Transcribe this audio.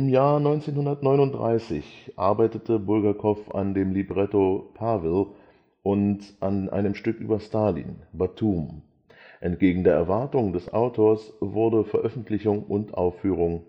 Jahr 1939 arbeitete Bulgakow an dem Libretto Рашель und an einem Stück über Stalin (Batum). Entgegen der Erwartung des Autors wurden Veröffentlichung und Aufführung